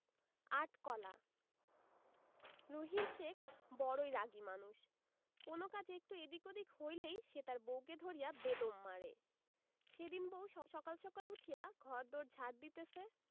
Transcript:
আট কলা রহিম শেখ বড়ই রাগী মানুষ কোনো কাজে একটু এদিক ওদিক হইলেই সে তার বউকে ধরিয়া বেদম মারে সেদিন বউ সকাল সকাল উঠিয়া ঘর দোর ঝাড় দিতেছে